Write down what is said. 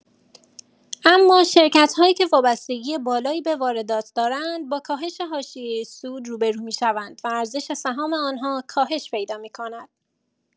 اما شرکت‌هایی که وابستگی بالایی به واردات دارند، با کاهش حاشیه سود روبه‌رو می‌شوند و ارزش سهام آنها کاهش پیدا می‌کند.